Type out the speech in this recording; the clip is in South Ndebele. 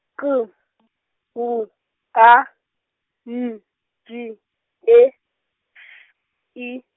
K , W, A, N, J, E, S, I.